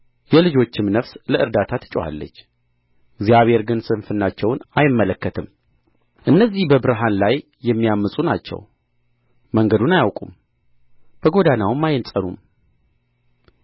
የልጆችም ነፍስ ለእርዳታ ትጮኻለች እግዚአብሔር ግን ስንፍናቸውን አይመለከትም እነዚህ በብርሃን ላይ የሚያምፁ ናቸው መንገዱን አያውቁም በጎዳናውም አይጸኑም